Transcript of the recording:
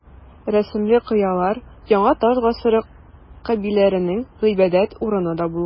Рәсемле кыялар яңа таш гасыры кабиләләренең гыйбадәт урыны да булган.